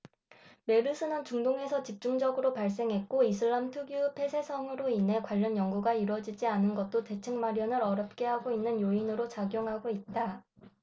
메르스는 중동에서 집중적으로 발생했고 이슬람 특유의 폐쇄성으로 인해 관련 연구가 이뤄지지 않은 것도 대책 마련을 어렵게 하는 요인으로 작용하고 있다